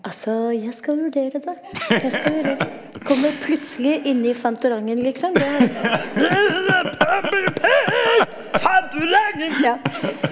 altså jeg skal vurdere det, det skal jeg gjøre, kommer plutselig inn i Fantorangen liksom det er Pompel og Pilt, Fantorganen ja.